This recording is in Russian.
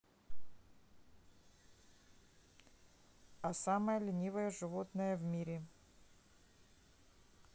а самое ленивое животное в мире